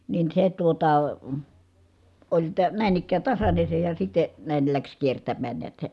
niin se tuota oli - näin ikään tasainen se ja sitten näin lähti kiertämään näet se